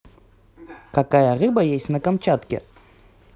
какая рыба есть на камчатке